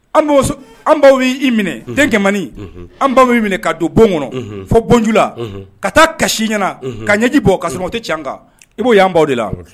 An an baw y'i minɛ denkɛmaninin an baw' minɛ ka don bon kɔnɔ fo bonjula ka taa kasisi ɲɛna ka ɲɛji bɔ ka so tɛ ca kan i b'o yan de la